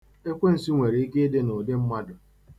Ekwensu nwere ike ịdị n'ụdị mmadụ.